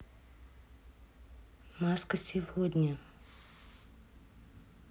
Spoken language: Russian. маска сегодня